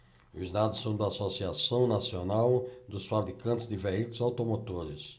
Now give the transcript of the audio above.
os dados são da anfavea associação nacional dos fabricantes de veículos automotores